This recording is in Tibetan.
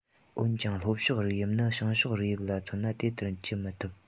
འོན ཀྱང ལྷོ ཕྱོགས རིགས དབྱིབས ནི བྱང ཕྱོགས རིགས དབྱིབས ལ མཚོན ན དེ ལྟ བགྱི མི ཐུབ